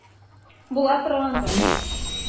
Була торгандыр.